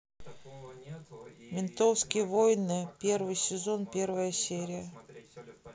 ментовские войны первый сезон первая серия